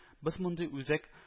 Без мондый үзәк